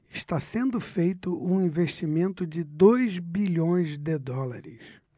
está sendo feito um investimento de dois bilhões de dólares